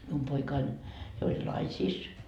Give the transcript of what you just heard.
minun poikani jo oli naisissa